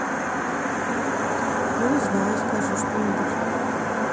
ну не знаю скажи что нибудь